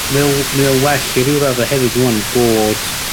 mae o mae o well i ryw radde hefyd ŵan bod